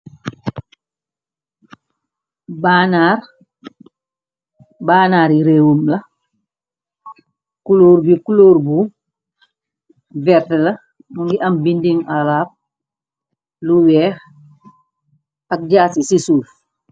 Bannaar, bannaar yi réewum la, kulóor bi kulóor bu vert la, mu ngi am binding araab, lu weex ak jaatsi ci suuf.